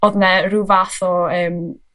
o'dd 'na rw fath o yym